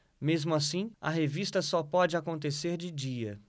mesmo assim a revista só pode acontecer de dia